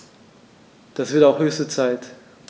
Das wird auch höchste Zeit!